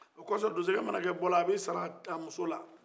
o de kosɔ donsokɛ mana kɛ bɔla a bɛ a sara a muso la